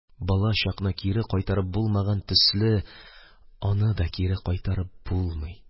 Балачакны кире кайтарып булмаган төсле, аны да кире кайтарып булмый.